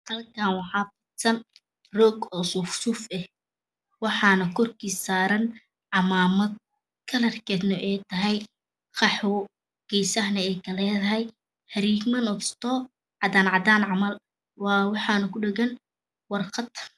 Hakan waxa fidsan rogsuf suf ah waxan korkisa saran cam mad kalarkedana aytahay qaxwo gesahan aykaledahay xariman kisto cadan cadancamal ah waxana kudhegan warqad